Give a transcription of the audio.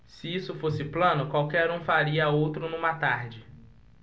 se isso fosse plano qualquer um faria outro numa tarde